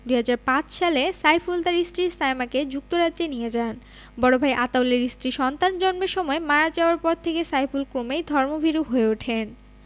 ২০০৫ সালে সাইফুল তাঁর স্ত্রী সায়মাকে যুক্তরাজ্যে নিয়ে যান বড় ভাই আতাউলের স্ত্রী সন্তান জন্মের সময় মারা যাওয়ার পর থেকে সাইফুল ক্রমেই ধর্মভীরু হয়ে ওঠেন